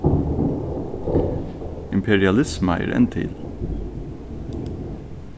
imperialisma er enn til